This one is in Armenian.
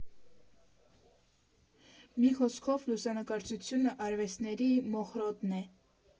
Մի խոսքով, լուսանկարչությունը արվեստների Մոխրոտն է։